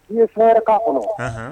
I ye fɛn ka kɔnɔ, ahan